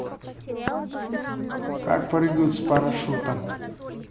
как прыгают с парашютом